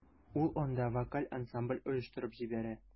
Ул анда вокаль ансамбль оештырып җибәрә.